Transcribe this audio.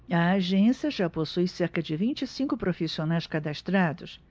a agência já possui cerca de vinte e cinco profissionais cadastrados